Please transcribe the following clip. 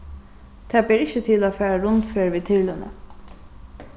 tað ber ikki til at fara rundferð við tyrluni